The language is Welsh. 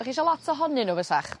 'sach chi isio lot ohonyn n'w fysach?